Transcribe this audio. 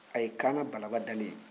a ye kaana balaba dalen ye